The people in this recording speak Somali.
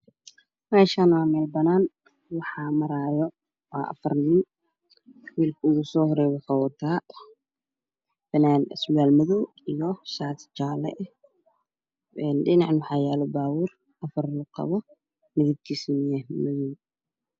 Meshan wamelbanan waxaa maraya waa Afarnin wilka ugusoreya waxa wataa sirwalmadow iyo shatijale ah dhinac waxa yalababur Afar lugqaba midibkisa na yahay madow